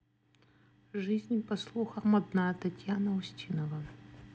жизнь по слухам одна татьяна устинова